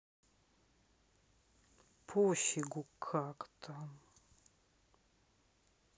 пофигу как там